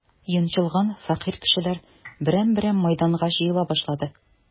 Йончылган, фәкыйрь кешеләр берәм-берәм мәйданга җыела башлады.